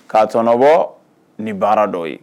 'a tɔnɔbɔ ni baara dɔ ye